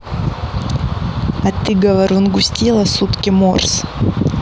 а ты говорун густела сутки морс